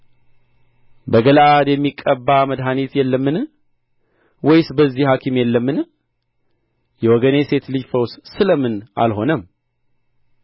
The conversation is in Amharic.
በገለዓድ የሚቀባ መድኃኒት የለምን ወይስ በዚያ ሐኪም የለምን የወገኔ ሴት ልጅ ፈውስ ስለ ምን አልሆነም